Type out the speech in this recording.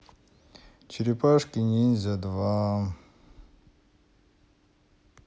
черепашки ниндзя два